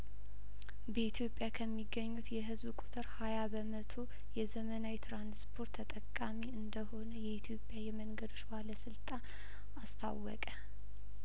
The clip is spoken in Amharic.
በኢትዮጵያ ከሚገኙት የህዝብ ቁጥር ሀያ በመቶው የዘመናዊ ትራንስፖርት ተጠቃሚ እንደሆነ የኢትዮጵያ የመንገዶች ባለስልጣን አስታወቀ